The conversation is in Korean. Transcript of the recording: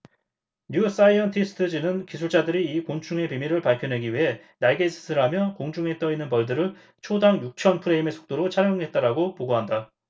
뉴 사이언티스트 지는 기술자들이 이 곤충의 비밀을 밝혀내기 위해 날갯짓을 하며 공중에 떠 있는 벌들을 초당 육천 프레임의 속도로 촬영했다라고 보도한다